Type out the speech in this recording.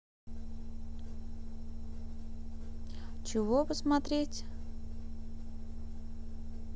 чего посмотреть